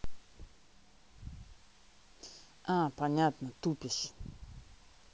а понятно тупишь